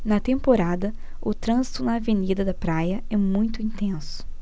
na temporada o trânsito na avenida da praia é muito intenso